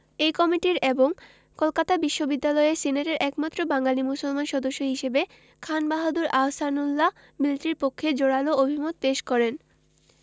এই কমিটির এবং কলকাতা বিশ্ববিদ্যালয় সিনেটের একমাত্র বাঙালি মুসলমান সদস্য হিসেবে খান বাহাদুর আহসানউল্লাহ বিলটির পক্ষে জোরালো অভিমত পেশ করেন